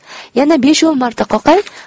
yana besh o'n marta qoqay